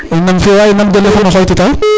nam fio waay nam gon le fo mamo xoytita